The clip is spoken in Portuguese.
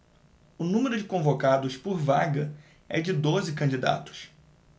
o número de convocados por vaga é de doze candidatos